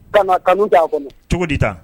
Kana kanu d'a kɔnɔ cogo dita